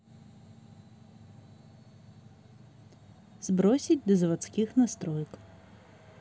сбросить до заводских настроек